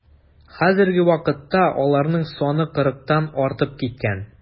Хәзерге вакытта аларның саны кырыктан артып киткән.